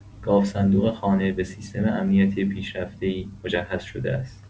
گاوصندوق خانه به سیستم امنیتی پیشرفته‌ای مجهز شده است.